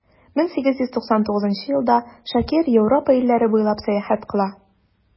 1899 елда шакир европа илләре буйлап сәяхәт кыла.